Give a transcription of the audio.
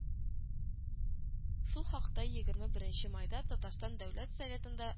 Шул хакта егерме беренче майда Татарстан Дәүләт Советында